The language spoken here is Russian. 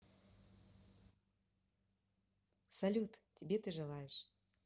салют тебе ты желаешь